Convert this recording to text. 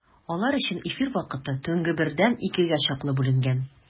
Алар өчен эфир вакыты төнге бердән икегә чаклы бүленгән.